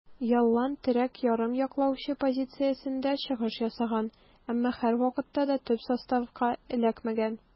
Ялланн терәк ярым яклаучы позициясендә чыгыш ясаган, әмма һәрвакытта да төп составка эләкмәгән.